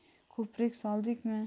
ko'prik soldikmi